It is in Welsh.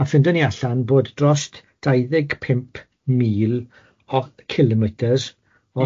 ...a ffindo ni allan bod drost dau ddeg pump mil o cilometres... M-hm.